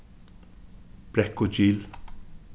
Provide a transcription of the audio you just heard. brekkugil